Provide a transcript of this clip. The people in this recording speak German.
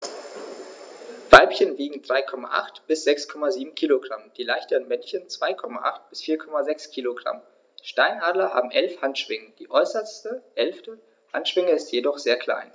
Weibchen wiegen 3,8 bis 6,7 kg, die leichteren Männchen 2,8 bis 4,6 kg. Steinadler haben 11 Handschwingen, die äußerste (11.) Handschwinge ist jedoch sehr klein.